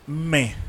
M